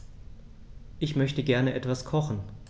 Ich möchte gerne etwas kochen.